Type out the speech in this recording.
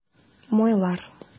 Майлар